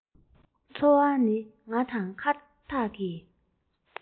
འཚོ བ ནི ང དང ཁ ཐག རིང